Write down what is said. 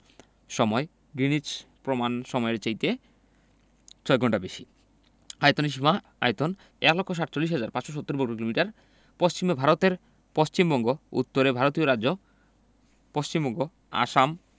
সময়ঃ গ্রীনিচ প্রমাণ সমইয়ের চাইতে ৬ ঘন্টা বেশি আয়তনে সীমাঃ আয়তন ১লক্ষ ৪৭হাজার ৫৭০বর্গকিলোমিটার পশ্চিমে ভারতের পশ্চিমবঙ্গ উত্তরে ভারতীয় রাজ্য পশ্চিমবঙ্গ আসাম